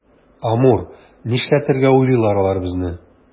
Амур, нишләтергә уйлыйлар алар безне?